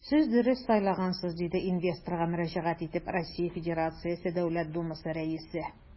Сез дөрес сайлагансыз, - диде инвесторга мөрәҗәгать итеп РФ Дәүләт Думасы Рәисе.